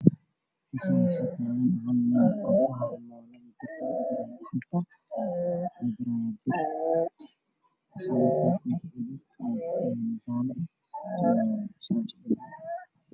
Waxaa ii muuqda nin makaanig ah waxa uu sameynayaa birr xun wataa koofijaallo shaati buluug